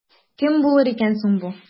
Кем булыр икән соң бу?